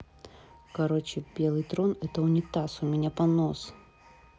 короче белый трон это унитаз у меня понос